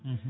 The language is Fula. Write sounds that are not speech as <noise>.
<hesitation> <hesitation>